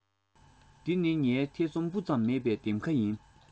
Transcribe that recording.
འདི ནི ངའི ཐེ ཚོ སྤུ ཙམ མེད པའི འདེམས ཁ ཡིན